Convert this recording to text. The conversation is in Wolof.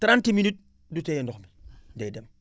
30 minutes du téye ndox mi day dem